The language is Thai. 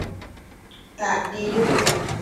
ก็ดีอยู่